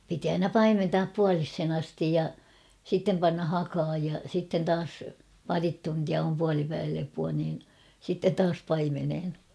piti aina paimentaa puoliseen asti ja sitten panna hakaan ja sitten taas pari tuntia on puolipäivälepoa niin sitten taas paimeneen